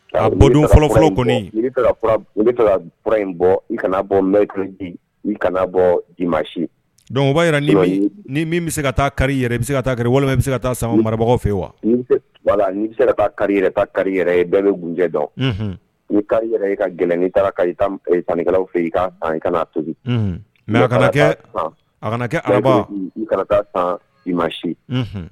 Bɔ fɔlɔfɔlɔ bɛura in bɔ i kana bɔ m i kana bɔ i masi donba jira ma ni min bɛ se ka taa kari i bɛ se ka taa kari bɛ se ka taa san marabagaw fɛ yen wa ni bɛ se taa kari kari yɛrɛ ye dɛ gjɛ dɔn i kari yɛrɛ i ka gɛlɛn nii tankɛlaw fɛ i ka kana to mɛ kana kɛ a kana kɛ araba i kana taa san i masi